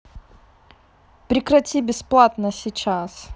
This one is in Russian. прекрати бесплатно сейчас